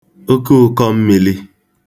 okeụ̄kọ̄mmīlī